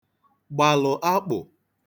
gbàlụ̀ akpụ̀